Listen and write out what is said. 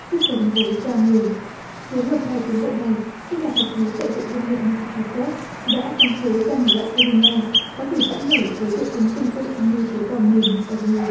sức sống với da người phối hợp hay tiến bộ này các nhà khảo cứu tại viện công nghệ mat sa chu set đã sáng chế ra một loại po ly me có thể giãn nở với độ cứng tương tự như tế bào mềm ở người